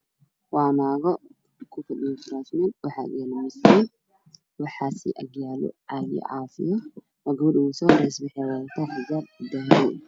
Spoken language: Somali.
Waa naga fadhiyaan meel xijaabo iyo qabaan ka dharkoodu waa jaalle iyo gudid miis ayaa horyaal